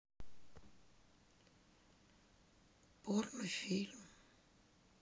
порно фильм